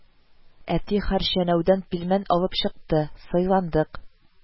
Әти хәрчәүнәдән пилмән алып чыкты; сыйландык